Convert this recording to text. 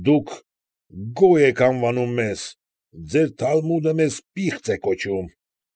Դուք «գոյ» եք անվանում մեզ, ձեր թալմուդը մեզ պիղծ է կոչում։